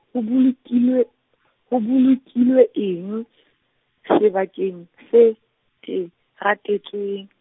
ho bolokilwe, ho bolokilwe eng, sebakeng, se, teratetsweng.